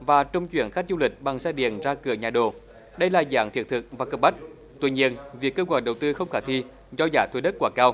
và trung chuyển khách du lịch bằng xe điện ra cửa nhà đồ đây là dạng thiết thực và cấp bách tuy nhiên việc kết quả đầu tư không khả thi do giá thuê đất quá cao